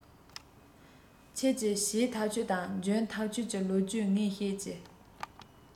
ཁྱོད ཀྱིས བྱས ཐག ཆོད དང འཇོན ཐག ཆོད ཀྱི ལོ རྒྱུས ངས བཤད ཀྱིས